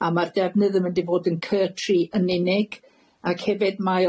a ma'r defnyddwm yn mynd i fod yn curtry yn unig ac hefyd mae